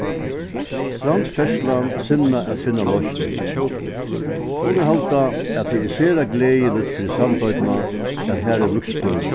strandferðslan sinnað at finna loysn okur halda at tað er sera gleðiligt fyri sandoynna at har er vøkstur